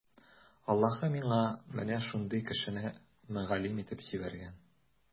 Аллаһы миңа менә шундый кешене мөгаллим итеп җибәргән.